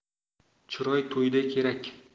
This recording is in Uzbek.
chiroy to'yda kerak